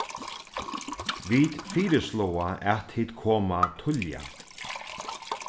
vit fyrisláa at tit koma tíðliga